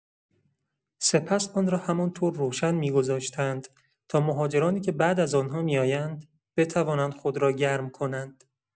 سپس آن را همان‌طور روشن می‌گذاشتند تا مهاجرانی که بعد از آن‌ها می‌آیند، بتوانند خود را گرم کنند.